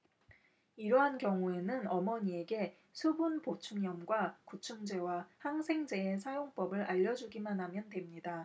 이러한 경우에는 어머니에게 수분 보충염과 구충제와 항생제의 사용법을 알려 주기만 하면 됩니다